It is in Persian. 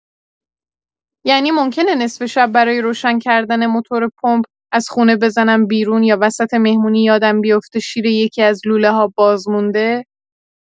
یعنی ممکنه نصف شب برای روشن کردن موتور پمپ از خونه بزنم بیرون یا وسط مهمونی یادم بیفته شیر یکی‌از لوله‌ها باز مونده.